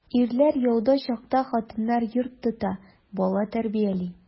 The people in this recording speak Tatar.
Ирләр яуда чакта хатыннар йорт тота, бала тәрбияли.